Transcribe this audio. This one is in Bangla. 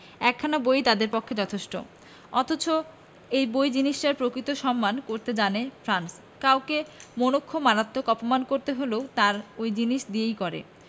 একখানা বই ই তাদের পক্ষে যথেষ্ট অথচ এই বই জিনিসটার প্রকৃত সম্মান করতে জানে ফ্রান্স কাউকে মোক্ষম মারাত্মক অপমান করতে হলেও তারা ওই জিনিস দিয়েই করে